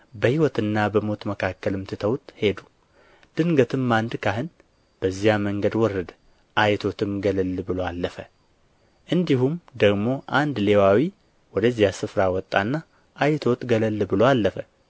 በሕይወትና በሞት መካከልም ትተውት ሄዱ ድንገትም አንድ ካህን በዚያ መንገድ ወረደ አይቶትም ገለል ብሎ አለፈ እንዲሁም ደግሞ አንድ ሌዋዊ ወደዚያ ስፍራ መጣና አይቶት ገለል ብሎ አለፈ